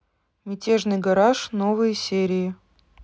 мятежный гараж новые серии